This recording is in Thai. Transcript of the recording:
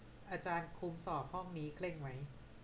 อาจารย์คุมสอบห้องนี้เคร่งไหม